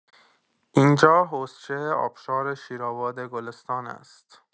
اینجا حوضچه آبشار شیرآباد گلستان است.